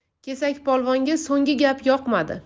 kesakpolvonga so'nggi gap yoqmadi